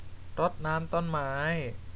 รดน้ำต้นไม้